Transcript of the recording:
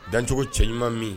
Dancogo cɛɲuman min